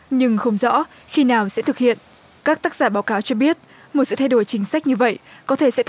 nhưng không rõ khi nào sẽ thực hiện các tác giả báo cáo cho biết một sự thay đổi chính sách như vậy có thể sẽ